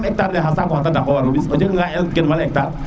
comme hectar ne xa saaku xa dandako o jega nga gen wal hectar